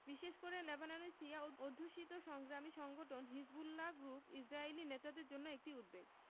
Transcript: বিশেষ করে লেবাননের শিয়া অধ্যুষিত সংগ্রামী সংগঠন হিজবুল্লাহ গ্রুপ ইসরায়েলি নেতাদের জন্য একটি উদ্বেগ